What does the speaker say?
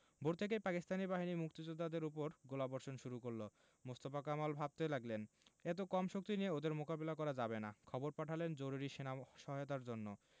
ভোর থেকেই পাকিস্তানি বাহিনী মুক্তিযোদ্ধাদের উপর গোলাবর্ষণ শুরু করল মোস্তফা কামাল ভাবতে লাগলেন এত কম শক্তি নিয়ে ওদের মোকাবিলা করা যাবে না খবর পাঠালেন জরুরি সেনা সহায়তার জন্য